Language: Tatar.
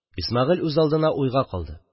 Исмәгыйль үзалдына уйга калды.